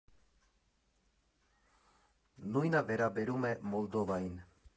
Նույնը վերաբերում է Մոլդովային։